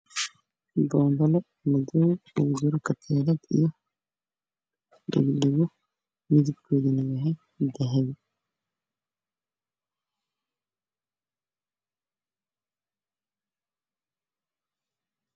Halkaan waxaa ka muuqdo boombale madaw ah oo katiinad dahabi qoorta ugu jirto